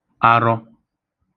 arọ